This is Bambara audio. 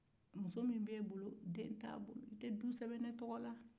muso min bɛ e bolo den t'a bolo i tɛ du sɛbɛn ne tɔgɔ la